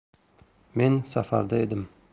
men safarda edim